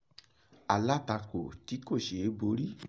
Alátakò tí kò ṣe é borí